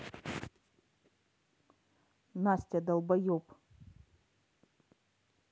настя долбоеб